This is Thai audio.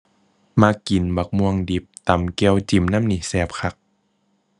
มักกินบักม่วงดิบ ตำแจ่วจิ้มนำนี่แซ่บคัก